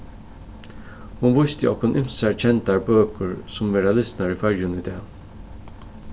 hon vísti okkum ymsar kendar bøkur sum verða lisnar í føroyum í dag